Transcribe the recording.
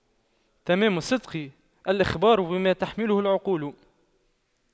تمام الصدق الإخبار بما تحمله العقول